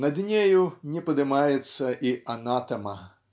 Над нею не подымается и "Анатэма".